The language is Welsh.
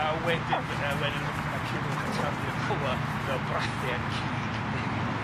A wedyn fe- yy wedyn pan ma' Culhwch yn taflu'r hola fel brathiaid ci cynddeiriog.